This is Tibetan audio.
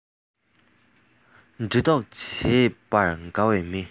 འདྲི རྟོགས བྱེད པར དགའ བའི མི